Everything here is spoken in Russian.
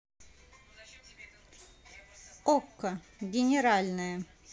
okko генеральная